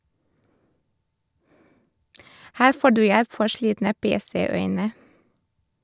Her får du hjelp for slitne PC-øyne.